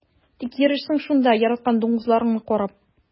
Тик йөрерсең шунда яраткан дуңгызларыңны карап.